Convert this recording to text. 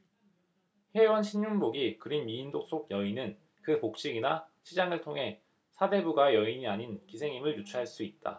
혜원 신윤복이 그린 미인도 속 여인은 그 복식이나 치장을 통해 사대부가의 여인이 아닌 기생임을 유추할 수 있다